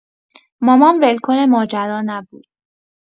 مامان ول‌کن ماجرا نبود.